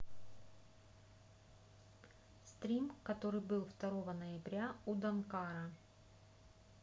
стрим который был второго ноября у данкара